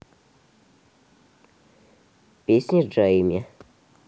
песни джаямми